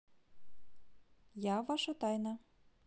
я ваша тайна